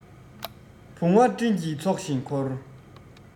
བུང བ སྤྲིན གྱི ཚོགས བཞིན འཁོར